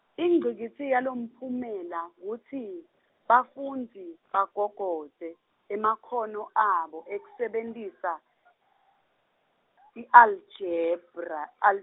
ingcikitsi yalomphumela, kutsi, bafundzi, bagogodze, emakhono abo , ekusebentisa, i aljebra al-.